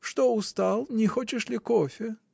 Что, устал — не хочешь ли кофе?